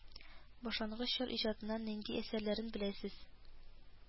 Башлангыч чор иҗатыннан нинди әсәрләрен беләсез